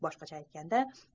boshqacha aytganda